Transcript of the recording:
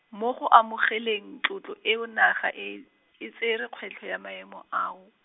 mo go amogeleng tlotlo eo naga e, e tsere kgwetlho ya maemo ao.